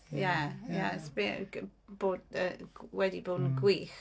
Ie, ie it's been... g- bo- yy wedi bod yn gwych.